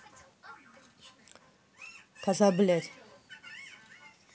коза блядь